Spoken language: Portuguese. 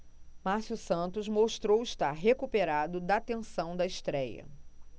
márcio santos mostrou estar recuperado da tensão da estréia